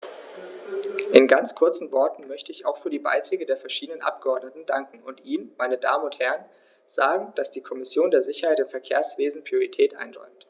In ganz kurzen Worten möchte ich auch für die Beiträge der verschiedenen Abgeordneten danken und Ihnen, meine Damen und Herren, sagen, dass die Kommission der Sicherheit im Verkehrswesen Priorität einräumt.